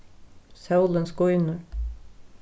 sólin skínur